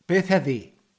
Beth heddi?...